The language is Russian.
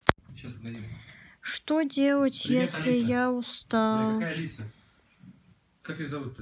что делать если я устал